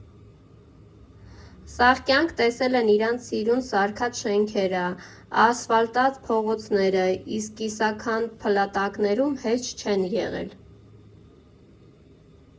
Սաղ կյանք տեսել են իրանց սիրուն սարքած շենքերը, ասֆալտած փողոցները, իսկ կիսաքանդ փլատակներում հեչ չեն եղել։